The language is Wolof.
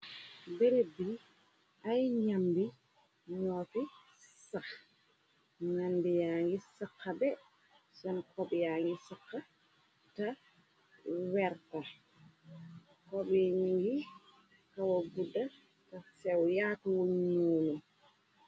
Berëb bi ay ñambi ñoo fi sax ñambi yangi sëxa be sen xob yangi sëxa te werta xob yi ñi ngi kawa gudda te sew yaatu wuñ noonu.